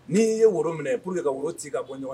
N'i ye woro minɛ pour que ka woro ci ka bɔ ɲɔgɔnna,